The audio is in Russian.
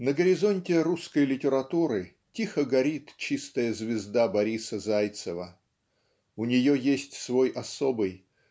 На горизонте русской литературы тихо горит чистая звезда Бориса Зайцева. У нее есть свой особый